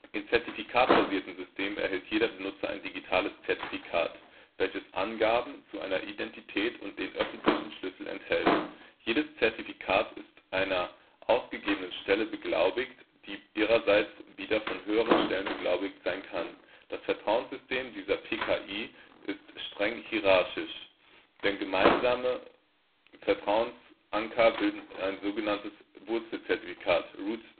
In zertifikatbasierten Systemen erhält jeder Benutzer ein digitales Zertifikat, welches Angaben zu seiner Identität und den öffentlichen Schlüssel enthält. Jedes Zertifikat ist von einer ausgebenden Stelle beglaubigt, die ihrerseits wieder von höheren Stellen beglaubigt sein kann. Das Vertrauenssystem dieser PKI ist streng hierarchisch. Den gemeinsamen Vertrauensanker bildet ein sog. Wurzelzertifikat (Root